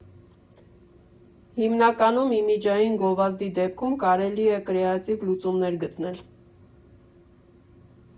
Հիմնականում իմիջային գովազդի դեպքում կարելի է կրեատիվ լուծումներ գտնել.